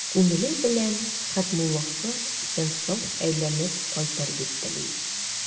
Күңеле белән Хәтмулласы исән-сау әйләнеп кайтыр дип тели.